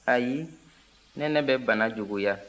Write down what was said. ayi nɛnɛ bɛ bana juguya